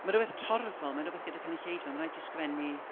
mae'n rhywbeth torfol. Mae'n rhywbeth gyda cynulleidfa. Mae'n rhaid i ti sgwennu...